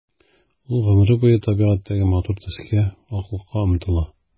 Ул гомере буе табигатьтәге матур төскә— аклыкка омтыла.